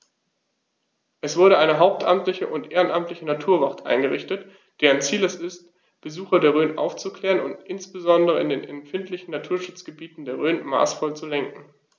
Es wurde eine hauptamtliche und ehrenamtliche Naturwacht eingerichtet, deren Ziel es ist, Besucher der Rhön aufzuklären und insbesondere in den empfindlichen Naturschutzgebieten der Rhön maßvoll zu lenken.